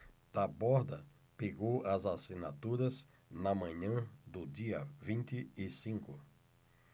taborda pegou as assinaturas na manhã do dia vinte e cinco